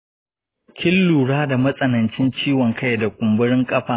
kin lura da matsanancin ciwon kai da kumburin ƙafa.